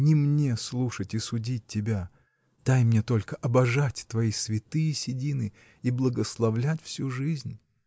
Не мне слушать и судить тебя — дай мне только обожать твои святые седины и благословлять всю жизнь!